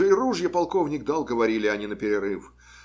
Уже и ружья полковник дал, - говорили они наперерыв.